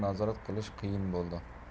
nazorat qilish qiyin bo'ldi